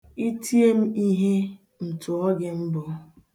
I tie m ihe, m tụọ gị mbọ.